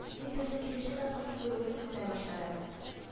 Ин сезнең икенче тапкыр килүегезне көтә башладым. һ